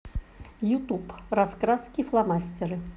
ютуб раскраски фломастеры